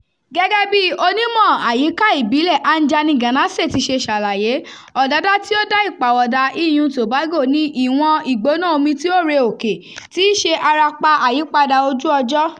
Gẹ́gẹ́ bí onímọ̀ àyíká ìbílẹ̀ Anjani Ganase ti ṣe ṣàlàyé, ọ̀dádá tí ó dá ìpàwọ̀dà iyùn-un Tobago ni ìwọ̀n ìgbóná omi tí ó re òkè — tí í ṣe arapa àyípadà ojú-ọjọ́.